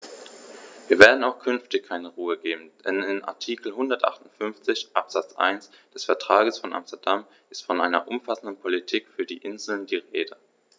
Wir werden auch künftig keine Ruhe geben, denn in Artikel 158 Absatz 1 des Vertrages von Amsterdam ist von einer umfassenden Politik für die Inseln die Rede.